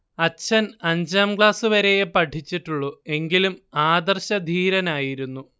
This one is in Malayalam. അച്ഛൻ അഞ്ചാം ക്ലാസുവരെയെ പഠിച്ചുട്ടുള്ളൂ എങ്കിലും ആദർശധീരനായിരുന്നു